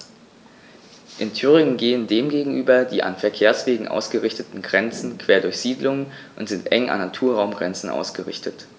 In Thüringen gehen dem gegenüber die an Verkehrswegen ausgerichteten Grenzen quer durch Siedlungen und sind eng an Naturraumgrenzen ausgerichtet.